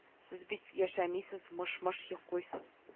Сез бит яшәмисез мыш-мыш йоклыйсыз